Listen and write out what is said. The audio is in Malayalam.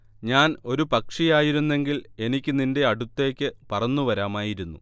ഞാൻ ഒരു പക്ഷിയായിരുന്നെങ്കിൽ എനിക്ക് നിന്റെ അടുത്തേക്ക് പറന്നു വരാമായിരുന്നു